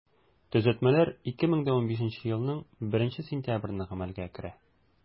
Төзәтмәләр 2015 елның 1 сентябреннән гамәлгә керә.